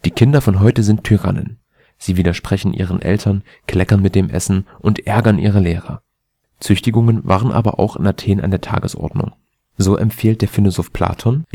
Kinder von heute sind Tyrannen. Sie widersprechen ihren Eltern, kleckern mit dem Essen und ärgern ihre Lehrer. “Züchtigungen waren aber auch in Athen an der Tagesordnung. So empfiehlt der Philosoph Platon